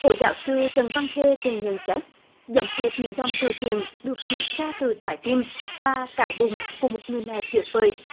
cố giáo sư trần văn khê từng nhận xét giống hệt những dòng tự truyện được viết ra từ trái tim và cải bụng của một người mẹ tuyệt vời